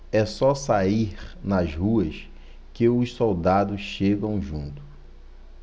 é só sair nas ruas que os soldados chegam junto